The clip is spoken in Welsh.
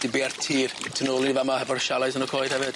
'di bia'r tir tu nôl i ni fama hefo'r chalettes yn y coed hefyd.